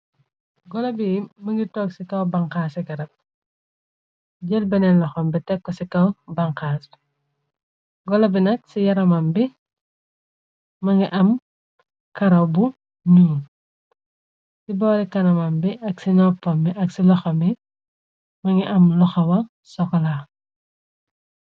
Gola bi mëngi tog ci kaw banxaas ci garab. Jër benen loxam bi tekko ci kaw banxaas bi golo bi nag ci yaramam bi më ngi am kara bu nuu ci boari kanaman bi ak ci noppam bi ak ci loxambi më ngi am loxawa sokola.